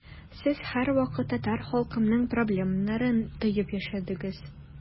Сез һәрвакыт татар халкының проблемаларын тоеп яшәдегез.